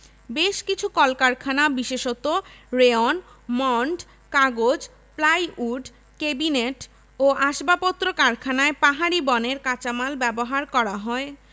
বেশ কিছু কলকারখানা বিশেষত রেয়ন মন্ড কাগজ প্লাইউড কেবিনেট ও আসবাবপত্র কারখানায় পাহাড়ি বনের কাঁচামাল ব্যবহার করা হয়